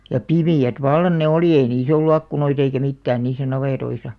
ja pimeät vallan ne oli ei niissä ollut ikkunoita eikä mitään niissä navetoissa